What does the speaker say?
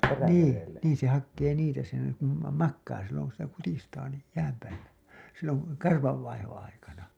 niin niin se hakee niitä se kuulemma makaa silloin kun sitä kutistaa niin jään päällä silloin karvan vaihdon aikana